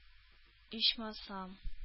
Ичмасам